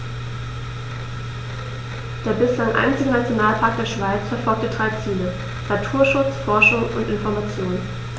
Der bislang einzige Nationalpark der Schweiz verfolgt drei Ziele: Naturschutz, Forschung und Information.